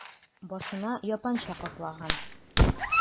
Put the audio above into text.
Башына япанча каплаган...